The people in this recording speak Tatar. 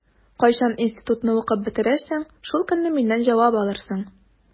Кайчан институтны укып бетерерсең, шул көнне миннән җавап алырсың.